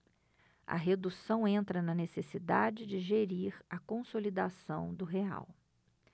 a redução entra na necessidade de gerir a consolidação do real